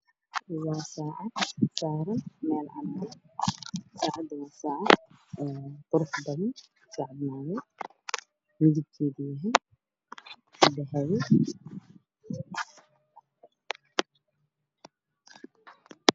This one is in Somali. Waa sacad saran mel cadan ah midbakedu yahay dahbi